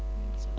am na solo